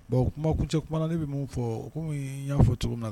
Bon kuma kuncɛ kuma na ne bɛ mun fɔ comme n y'a fɔ cogo min na.